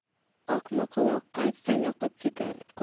oqma quloqqa aytsang oqib ketar